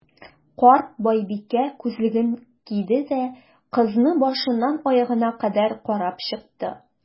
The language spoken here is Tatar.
Карт байбикә, күзлеген киде дә, кызны башыннан аягына кадәр карап чыкты.